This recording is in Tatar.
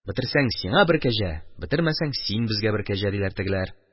«бетерсәң, сиңа бер кәҗә, бетермәсәң, син безгә бер кәҗә», – диләр тегеләр.